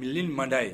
Minɛni in man d'a ye